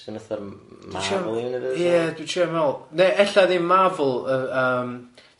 Ia dwi trio meddwl ne' ella ddim Marvel yy yym